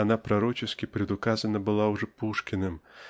она пророчески предуказана была уже Пушкиным